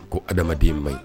Ko adamaden man ɲi